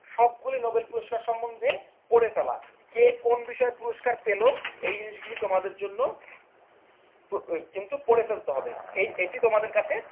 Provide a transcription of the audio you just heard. সবগুলো নোবেল পুরস্কার সম্বন্ধে পড়ে ফেলা কে কোন বিষয়ে পুরস্কার পেল এই জিনিসগুলো তোমাদের জন্য কিন্তু পড়ে ফেলতে হবে এটি তোমাদের কাছে